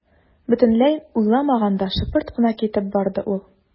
Бөтенләй уйламаганда шыпырт кына китеп барды ул.